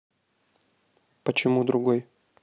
почему другой